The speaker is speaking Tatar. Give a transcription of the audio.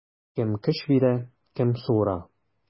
Кем көч бирә, кем суыра.